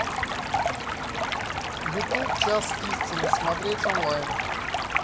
ютуб час истины смотреть онлайн